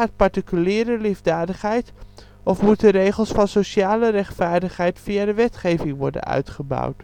particuliere liefdadigheid of moeten regels van sociale rechtvaardigheid via de wetgeving worden uitgebouwd